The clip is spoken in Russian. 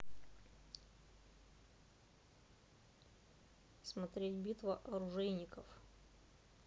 смотреть битва оружейников